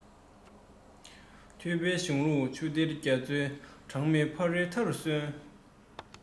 ཐོས པའི གཞུང ལུགས ཆུ གཏེར རྒྱ མཚོའི གྲངས མེད ཕ རོལ མཐའ རུ སོན